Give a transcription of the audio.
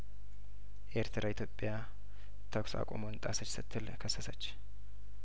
ኤርትራ ኢትዮጵያተኩስ አቁሙን ጣሰች ስትል ከሰሰች